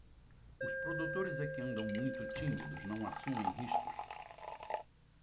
os produtores é que andam muito tímidos não assumem riscos